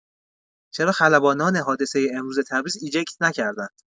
چرا خلبانان حادثه امروز تبریز ایجکت نکردند؟